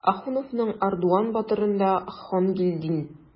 Ахуновның "Ардуан батыр"ында Хангилдин.